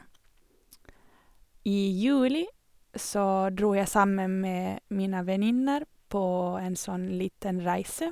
I juli så dro jeg sammen med mine venninner på en sånn liten reise.